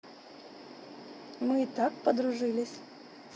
мы и так подружились